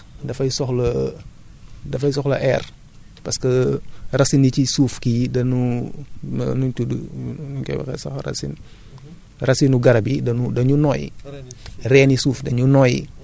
waaw xam naa tamit day permettre xam nga su gàncax dafay soxla dafay soxla air parce que racine yi ci suuf kii yi danu nuñ tudd nu ñu koy waxee sax racine